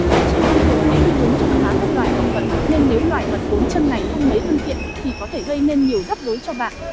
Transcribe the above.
trẻ con thường có xu hướng chọc phá các loài động vật nên nếu loài vật bốn chân này không mấy thân thiện thì có thể gây nên nhiều rắc rối cho bạn